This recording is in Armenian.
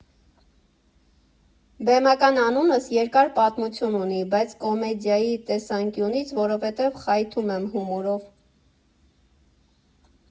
Բեմական անունս երկար պատմություն ունի, բայց կոմեդիայի տեսանկյունից՝ որովհետև խայթում եմ հումորով։